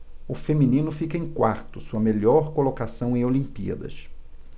o feminino fica em quarto sua melhor colocação em olimpíadas